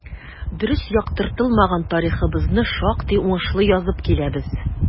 Дөрес яктыртылмаган тарихыбызны шактый уңышлы язып киләбез.